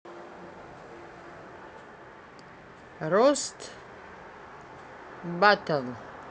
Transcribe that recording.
рост battle